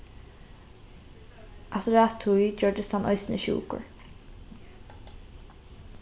aftur at tí gjørdist hann eisini sjúkur